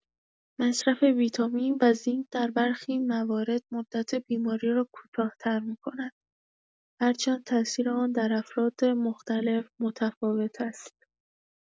مصرف ویتامین و زینک در برخی موارد مدت بیماری را کوتاه‌تر می‌کند، هرچند تاثیر آن در افراد مختلف متفاوت است.